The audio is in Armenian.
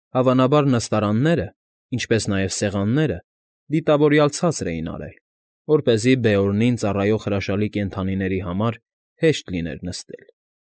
Հավանաբար, նստարանները, ինչպես նաև սեղանները դիտավորյալ ցածր էին արել, որպեսզի Բեորնին ծառայող հրաշալի կենդանիների համար հեշտ լիներ նստել։